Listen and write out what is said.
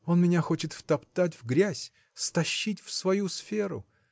– Он меня хочет втоптать в грязь, стащить в свою сферу.